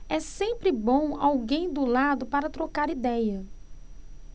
é sempre bom alguém do lado para trocar idéia